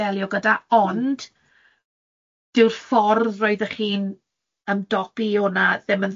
delio gyda, ond 'dyw'r ffordd roeddech chi'n ymdopi o'na ddim yn